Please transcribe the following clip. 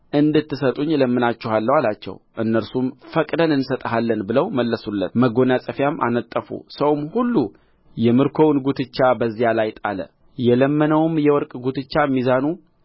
እንድትሰጡኝ እለምናችኋለሁ አላቸው እነርሱም ፈቅደን እንሰጥሃለን ብለው መለሱለት መጎናጸፊያም አነጠፉ ሰውም ሁሉ የምርኮውን ጕትቻ በዚያ ላይ ጣለ የለመነውም የወርቅ ጕትቻ ሚዛኑ